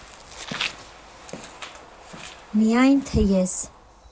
Միայն թե ես։